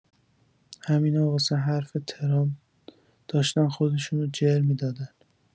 همینا واسه حرف ترامپ داشتن خودشونو جر می‌دادن